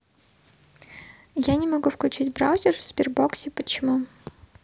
я не могу включить браузер в сбербоксе почему